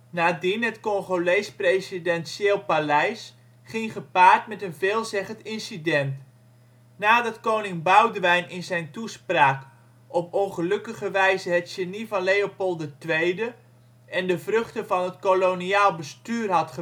nadien het Congolese presidentieel paleis), ging gepaard met een veelzeggend incident. Nadat koning Boudewijn in zijn toespraak op ongelukkige wijze het ' genie ' van Leopold II en de vruchten van het koloniaal bestuur had geprezen